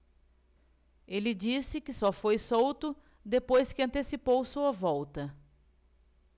ele disse que só foi solto depois que antecipou sua volta